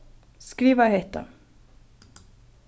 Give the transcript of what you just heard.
skriva hetta